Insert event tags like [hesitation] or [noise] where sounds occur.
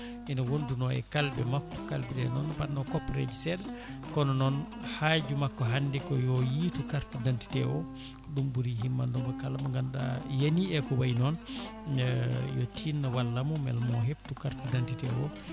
ene wonduno e kalbe makko kalbe ɗe noon ne mbanno kopperje seeɗa kono noon haaju makko hande ko yo yiitu carte d' identité o ko ɗum ɓuuri himmande mo kala mo ganduɗa a yaani e ko wayi noon [hesitation] yo tinno wallamo beela mo heptu carte d' identité o